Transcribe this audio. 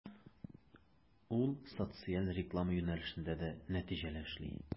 Ул социаль реклама юнәлешендә дә нәтиҗәле эшли.